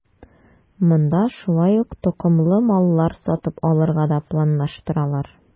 Монда шулай ук токымлы маллар сатып алырга да планлаштыралар.